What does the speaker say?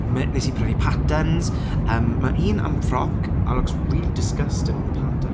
M- wnes i prynu patterns! Yym, ma' un am ffroc that looks really disgusting on the pattern...